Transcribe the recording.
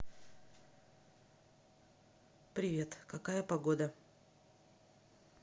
привет какая погода